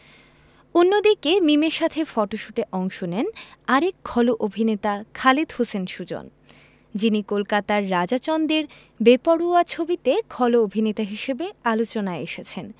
অন্যদিকে মিমের সাথে ফটশুটে অংশ নেন আরেক খল অভিনেতা খালেদ হোসেন সুজন যিনি কলকাতার রাজা চন্দের বেপরোয়া ছবিতে খল অভিননেতা হিসেবে আলোচনায় এসেছেন